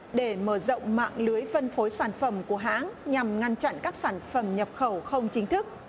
để mở rộng mạng lưới phân phối sản phẩm của hãng nhằm ngăn chặn các sản phẩm nhập khẩu không chính thức